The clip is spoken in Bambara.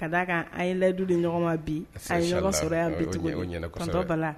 Ka d' a kan an ye ladu de ɲɔgɔn ma bi a sɔrɔ bi